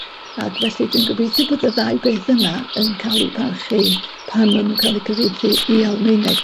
### ag felly dwi'n gobeithio bod y ddau beth yna yn ca'l eu parchu pan ma' nw'n ca'l 'u cyfieithu i Almaeneg.